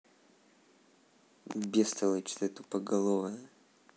бестолочь ты тупоголовая